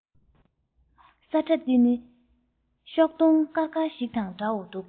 ས ཁྲ འདི ནི ཤོག སྟོང དཀར དཀར ཞིག དང འདྲ བོ འདུག